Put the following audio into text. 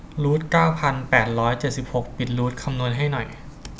รูทเก้าพันแปดร้อยเจ็ดสิบหกปิดรูทคำนวณให้หน่อย